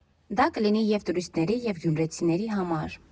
Դա կլինի և՛ տուրիստների, և՛ գյումրեցիների համար։